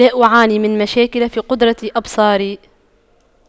لا أعاني من مشاكل في قدرة إبصاري